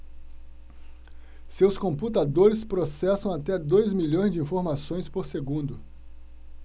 seus computadores processam até dois milhões de informações por segundo